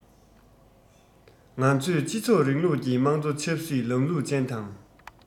ང ཚོས སྤྱི ཚོགས རིང ལུགས ཀྱི དམངས གཙོ ཆབ སྲིད ལམ ལུགས ཅན དང